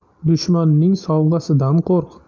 dushmanning sovg'asidan qo'rq